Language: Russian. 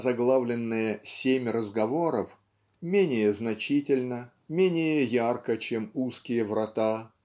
озаглавленная "Семь разговоров" менее значительна менее ярка чем "Узкие врата"